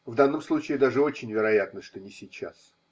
В данном случае даже очень вероятно, что не сейчас.